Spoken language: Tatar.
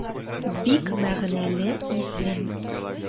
Бик мәгънәле исем.